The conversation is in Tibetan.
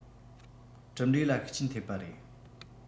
གྲུབ འབྲས ལ ཤུགས རྐྱེན ཐེབས པ རེད